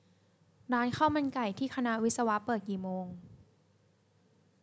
ร้านข้าวมันไก่ที่คณะวิศวะเปิดกี่โมง